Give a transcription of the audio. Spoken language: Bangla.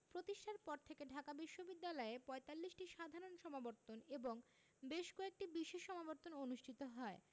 প্রতিষ্ঠার পর থেকে ঢাকা বিশ্ববিদ্যালয়ে ৪৫টি সাধারণ সমাবর্তন এবং বেশ কয়েকটি বিশেষ সমাবর্তন অনুষ্ঠিত হয়